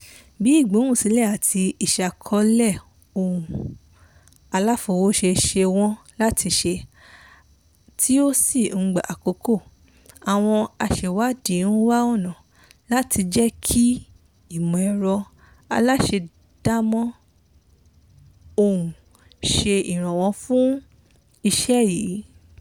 Bí ìgbohùnsílẹ̀ àti ìṣàkọsílẹ̀ ohùn aláfọwọ́ṣe ṣe wọ́n láti ṣe tí ó sì ń gba àkókò, àwọn aṣèwádìí ń wá ọ̀nà láti jẹ́ kí ìmọ̀-ẹ̀rọ aṣèdámọ̀ ohùn ṣe ìrànwọ́ fún iṣẹ́ yìí.